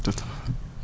tout à fait